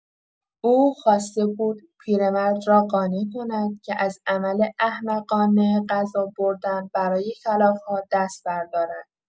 او خواسته بود پیرمرد را قانع کند که از عمل احمقانه غذا بردن برای کلاغ‌ها دست بردارد.